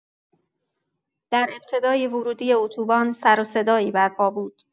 در ابتدای ورودی اتوبان سروصدایی برپا بود.